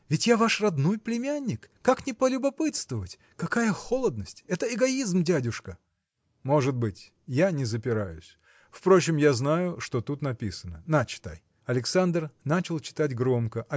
Ведь я ваш родной племянник: как не полюбопытствовать? Какая холодность! это эгоизм, дядюшка! – Может быть: я не запираюсь. Впрочем, я знаю, что тут написано. На, читай! Александр начал читать громко